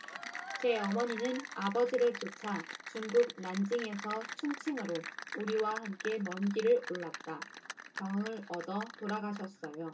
제 어머니는 아버지를 쫓아 중국 난징에서 충칭으로 우리와 함께 먼 길에 올랐다 병을 얻어 돌아가셨어요